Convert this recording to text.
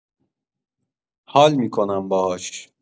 حال می‌کنم باهاش